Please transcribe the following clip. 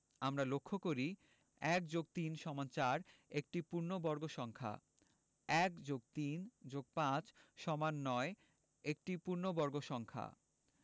আমরা লক্ষ করি ১+৩=৪ একটি পূর্ণবর্গ সংখ্যা ১+৩+৫=৯ একটি পূর্ণবর্গ সংখ্যা